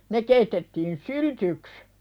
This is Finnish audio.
ne keitettiin syltyksi